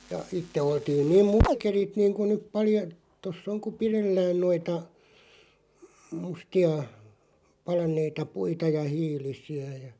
ja itse oltiin niin -- niin kuin nyt - tuossa on kun pidellään noita mustia palaneita puita ja hiilisiä ja